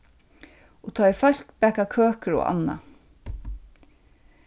og tá ið fólk baka køkur og annað